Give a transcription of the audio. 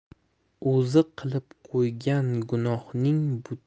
o'zi qilib qo'ygan gunohning